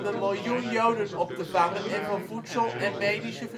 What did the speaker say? miljoen Joden op te vangen en van voedsel en medische